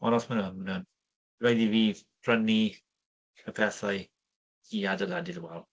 Ond, os maen nhw yn, maen nhw yn. Rhaid i fi prynu y pethau i adeiladu'r wal.